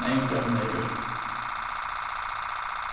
hon angraði at hon hevði gjørt tað